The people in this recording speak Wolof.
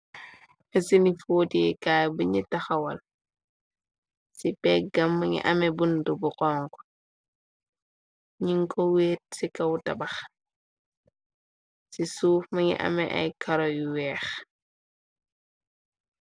Fesini footyeekaay buñi taxawal ci peggam mangi amé bund bu xong nin ko weet ci kawu tabax ci suuf mangi ame ay kara yu weex.